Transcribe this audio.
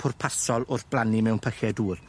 pwrpasol wrth blannu mewn pylle dŵr